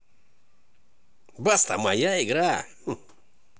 баста моя игра